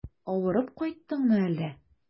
Авырып кайттыңмы әллә?